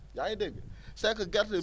yaa ngi dégg c' est que gerte